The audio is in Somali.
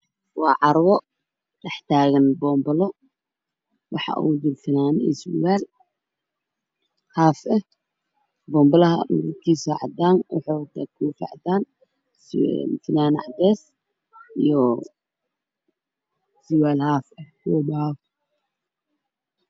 Waxaa ii muuqda carwo lagu gado dharka oo dhex taagan boom bale e wato naanad cadeys ah iyo buumo cadaysa ah iyo koofi cad